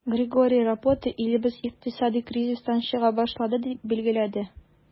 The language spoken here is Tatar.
Григорий Рапота, илебез икътисады кризистан чыга башлады, дип билгеләде.